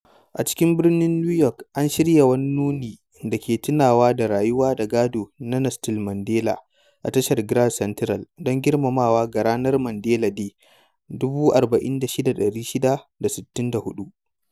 A cikin birnin New York, an shirya wani nuni da ke tunawa da rayuwa da gado na Nelson Mandela a tashar Grand Central, don girmamawa ga Ranar Mandela Day 46664.